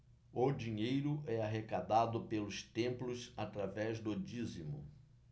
o dinheiro é arrecadado pelos templos através do dízimo